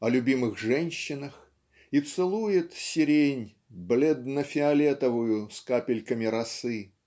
о любимых женщинах и целует сирень бледно-фиолетовую с капельками росы.